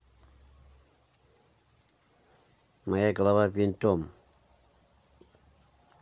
моя голова винтом